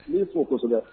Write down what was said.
I ye fɔ kosɛbɛ